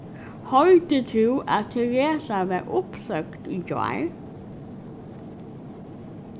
hoyrdi tú at teresa varð uppsøgd í gjár